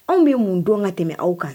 Anw bɛ mun don ka tɛmɛ aw kan